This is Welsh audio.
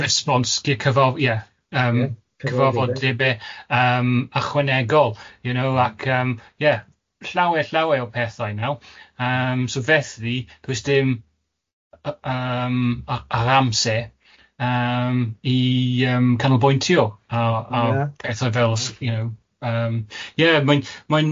...response i'r cyfar- ie yym... Cyfarwyddwyr. ...cyfrifoldebau yym ychwanegol you know ac yym ie llawer llawer o pethau naw yym so felly does dim yy yym o- o'r amser yym i yym canolbwyntio... Na. ...ar a pethau fel you know yym ie mae'n mae'n